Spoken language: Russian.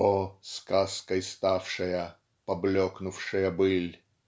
О, сказкой ставшая, поблекнувшая быль!